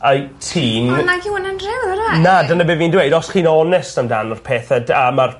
wyt ti'n... On' nag yw wnna'n driw ydyw e? Na dyna be' fi'n dweud os chi'n onest amdano'r pethe d- a ma'r